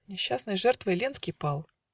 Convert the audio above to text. Несчастной жертвой Ленский пал.